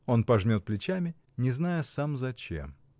Он пожмет плечами, не зная сам зачем.